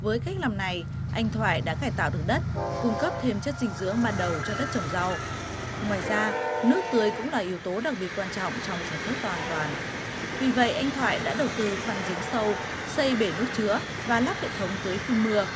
với cách làm này anh thoại đã cải tạo được đất cung cấp thêm chất dinh dưỡng ban đầu cho đất trồng rau ngoài ra nước tưới cũng là yếu tố đặc biệt quan trọng trong sản xuất hoàn toàn vì vậy anh thoại đã đầu tư khoan giếng sâu xây bể nước chứa và lắp hệ thống tưới phun mưa